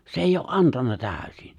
se ei ole antanut täysin